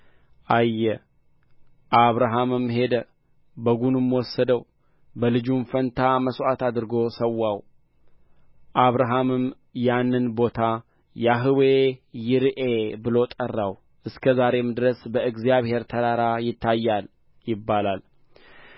አየ አብርሃምም ሄደ በጉንም ወሰደው በልጁም ፋንታ መሥዋዕት አድርጎ ሠዋው አብርሃምም ያንን ቦታ ያህዌ ይርኤ ብሎ ጠራው እስከ ዛሬም ድረስ በእግዚአብሔር ተራራ ይታያል ይባላል